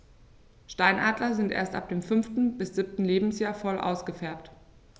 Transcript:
Steinadler sind erst ab dem 5. bis 7. Lebensjahr voll ausgefärbt.